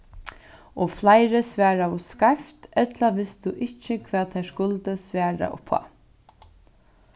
og fleiri svaraðu skeivt ella vistu ikki hvat teir skuldu svar uppá